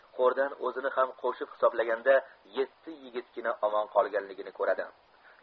qo'rdan o'zini ham qo'shib xisoblaganda yetti yigitgina omon qolganligini ko'radi